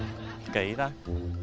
kì ta